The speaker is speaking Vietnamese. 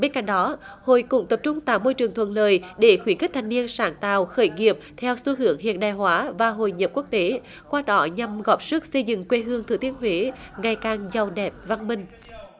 bên cạnh đó hội cũng tập trung tạo môi trường thuận lợi để khuyến khích thanh niên sáng tạo khởi nghiệp theo xu hướng hiện đại hóa và hội nhập quốc tế qua đó nhằm góp sức xây dựng quê hương thừa thiên huế ngày càng giàu đẹp văn minh